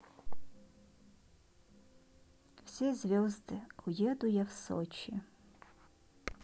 все звезды уеду я в сочи